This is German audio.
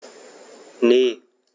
Ne.